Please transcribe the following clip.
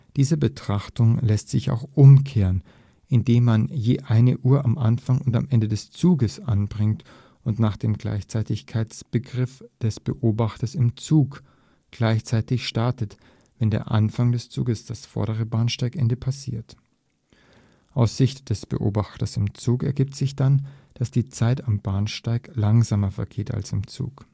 Diese Betrachtung lässt sich auch umkehren, indem man je eine Uhr am Anfang und am Ende des Zuges anbringt und nach dem Gleichzeitigkeitsbegriff des Beobachters im Zug gleichzeitig startet, wenn der Anfang des Zuges das vordere Bahnsteigende passiert. Aus Sicht des Beobachters im Zug ergibt sich dann, dass die Zeit am Bahnsteig langsamer vergeht als im Zug